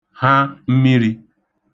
ha mmirī